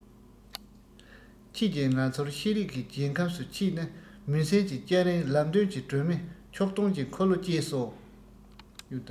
ཁྱེད ཀྱིས ང ཚོར ཤེས རིག གི རྒྱལ ཁམས སུ ཁྱེད ནི མུན སེལ གྱི སྐྱ རེངས ལམ སྟོན གྱི སྒྲོན མེ ཕྱོགས སྟོན གྱི འཁོར ལོ བཅས སོ